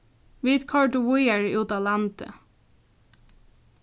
vit koyrdu víðari út á landið